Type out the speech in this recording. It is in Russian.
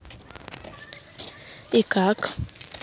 и как